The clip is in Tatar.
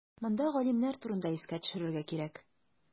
Монда галимнәр турында искә төшерергә кирәк.